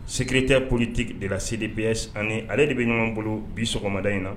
Sekite koti dela se de bɛ ani ale de bɛ ɲɔgɔn bolo bi sɔgɔmada in na